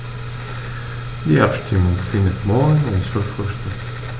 Die Abstimmung findet morgen um 12.00 Uhr statt.